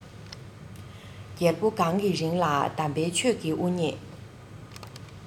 རྒྱལ པོ གང གི རིང ལ དམ པའི ཆོས ཀྱི དབུ བརྙེས